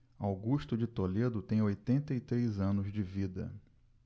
augusto de toledo tem oitenta e três anos de vida